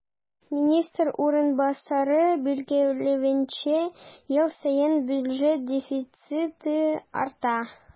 Министр урынбасары билгеләвенчә, ел саен бюджет дефициты арта.